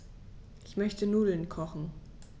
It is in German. Ich möchte Nudeln kochen.